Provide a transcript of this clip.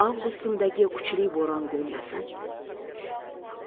avgust tunidagi kuchli bo'ron guvillasin